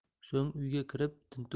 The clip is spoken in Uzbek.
so'ng uyga kirib tintuv